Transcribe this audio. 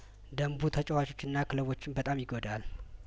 ደንቡ ተጫዋቾችና ክለቦችን በጣም ይጐዳል